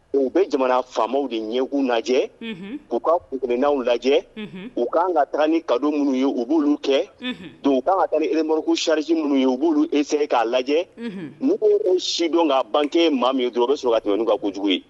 U bɛ jamana faamaw de ɲɛkun lajɛ u ka ukinna lajɛ u k kan ka taga ni kadon minnu ye u b'uolu kɛ don u kan ka taa emoku sarisi minnu ye u b'uolu ese k'a lajɛ n ko sidɔn ka'a ban maa min ye jɔ sukat ka kojugu ye